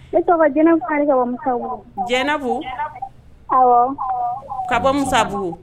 I tɔgɔ jɛnɛsa jɛnɛbugu kaba bɔ musabugu